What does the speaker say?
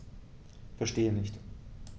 Verstehe nicht.